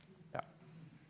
ja.